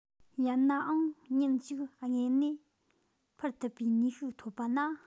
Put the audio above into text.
ཡན ནའང ཉིན ཞིག དངོས གནས འཕུར ཐུབ པའི ནུས ཤུགས ཐོབ པ ན